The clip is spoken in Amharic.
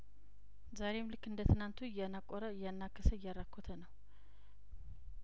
ዛሬም ልክ እንደትናንቱ እያናቆረ እያናከሰ እያራኮተ ነው